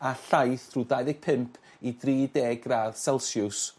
a llaith rhw dau ddeg pump i dri deg gradd selsiws